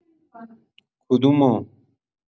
کدومو؟